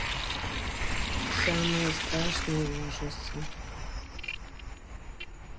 самые страшные ужасы